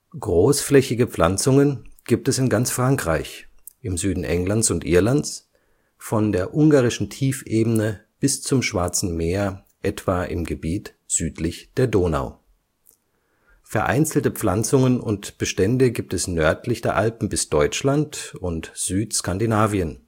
Großflächige Pflanzungen gibt es in ganz Frankreich, im Süden Englands und Irlands, von der Ungarischen Tiefebene bis zum Schwarzen Meer etwa im Gebiet südlich der Donau. Vereinzelte Pflanzungen und Bestände gibt es nördlich der Alpen bis Deutschland und Südskandinavien